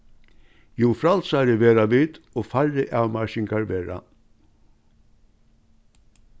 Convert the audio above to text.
jú frælsari verða vit og færri avmarkingar verða